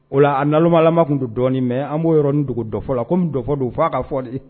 O la a namalama tun don dɔɔnin mɛn an b'o yɔrɔ nin dugu dɔfɔ la ko dɔ fɔ don fo' ka fɔ de